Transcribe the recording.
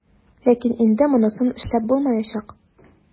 Ләкин инде монысын эшләп булмаячак.